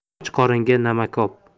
och qoringa namakob